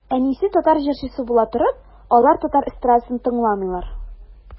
Әнисе татар җырчысы була торып, алар татар эстрадасын тыңламыйлар.